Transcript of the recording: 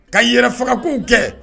Ka yɛrɛ fagakow kɛ